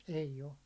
ei ole